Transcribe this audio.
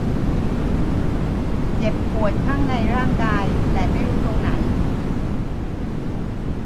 เจ็บปวดข้างในร่างกายแต่ไม่รู้ตรงไหน